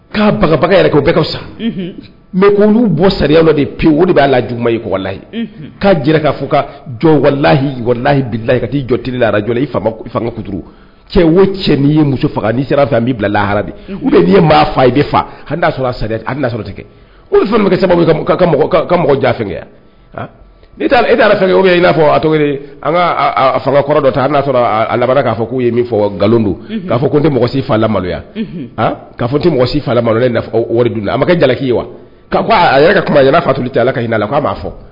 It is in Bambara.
'a yɛrɛ bɛɛ sa mɛ ko olu bɔ sariya de pewu o de b'a la jugu ikɔlayi k'a ka fɔ kalahihila ka' jɔlara jɔ i fanga cɛ wo cɛ ni ye muso faga sera n' bila lahara'i ye maa faa faa'a sɔrɔ a a bɛnaa tɛ o fɛn kɛ sababu ka mɔgɔ ja e ala i n'a fɔ a to an ka fanga kɔrɔ dɔ ta a'a sɔrɔ a laban k'a fɔ k'u ye min fɔ nkalon don'a fɔ n tɛ si faa la maloya k'a fɔ tɛ mɔgɔ maloya o wari dun a makɛ jalaki ye wa a yɛrɛ ka kuma yala fatu ta ala ka la k'a b'a fɔ